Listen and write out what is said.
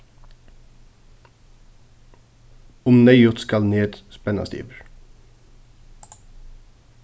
um neyðugt skal net spennast yvir